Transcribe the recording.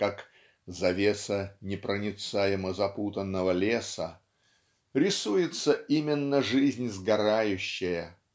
как "завеса непроницаемо запутанного леса" рисуется именно жизнь сгорающая